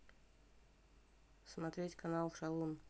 смотреть канал шалун